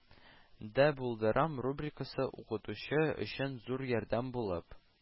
Дә булдырам” рубрикасы укытучы өчен зур ярдәм булып